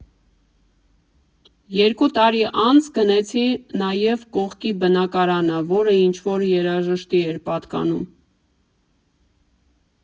Երկու տարի անց գնեցի նաև կողքի բնակարանը, որ ինչ֊որ երաժշտի էր պատկանում։